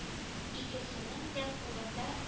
Икесенең дә кулында